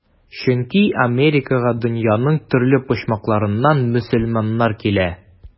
Чөнки Америкага дөньяның төрле почмакларыннан мөселманнар килә.